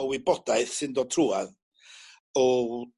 o wybodaeth sy'n dod trwadd o